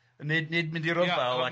Nid nid mynd i ryfal